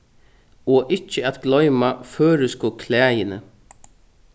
og ikki at gloyma føroysku klæðini